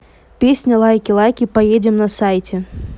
песня лайки лайки поедем на сайте